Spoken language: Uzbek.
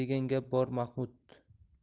degan gap bor mahmud